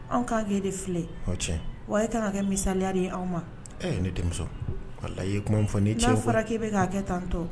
An k'a gɛn de filɛ cɛ wa e ka ka kɛ misaliya de ye anw ma ne denmuso wala la ii kuma fɔ' cɛ fɔra k'i bɛ k'a kɛ tan tɔ